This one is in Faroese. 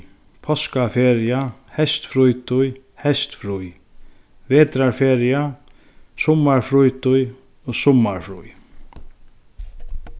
páskaferia heystfrítíð heystfrí vetrarferia summarfrítíð og summarfrí